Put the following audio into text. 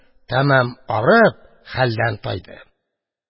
Тәмам арып, хәлдан тайды.